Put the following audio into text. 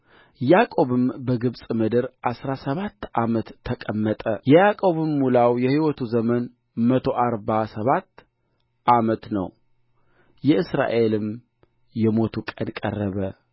ያዕቆብም በግብፅ ምድር አሥራ ሰባት ዓመት ተቀመጠ የያዕቆብም ሙላው የሕይወቱ ዘመን መቶ አርባ ሰባት ዓመት ነው የእስራኤልም የሞቱ ቀን ቀረበ